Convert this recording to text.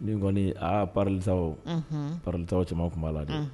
Ni kɔni aa palisalisa cɛman tun b'a la dɛ